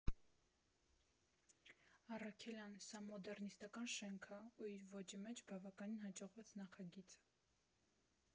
֊ Առաքելյան, սա մոդեռնիստական շենք ա ու իր ոճի մեջ բավականին հաջողված նախագիծ։